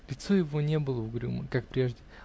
Лицо его не было угрюмо, как прежде